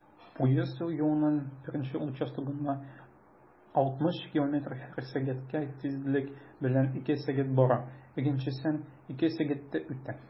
Поезд юлның беренче участогында 60 км/сәг тизлек белән 2 сәг. бара, икенчесен 3 сәгатьтә үтә.